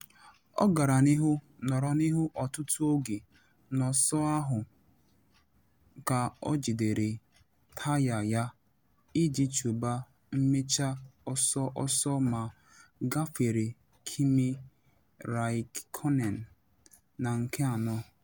Ọ gara n’ihu nọrọ n’ihu ọtụtụ oge n’ọsọ ahụ ka o jidere taya ya iji chụba mmecha ọsọ ọsọ ma gafere Kimi Raikkonen na nke anọ.